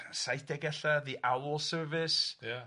saith dega ella, 'The Owl Service'... Ia...